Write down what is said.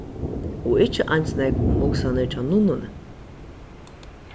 og ikki eins nógv um hugsanir hjá nunnuni